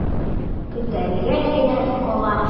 Көтәргә генә кала.